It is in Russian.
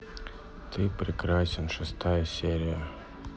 ты прекрасен шестая серия